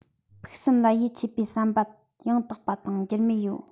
ཕུགས བསམ ལ ཡིད ཆེས པའི བསམ པ ཡང དག པ དང འགྱུར མེད ཡོད